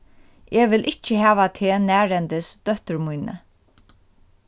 eg vil ikki hava teg nærhendis dóttur míni